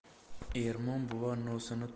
ermon buva nosini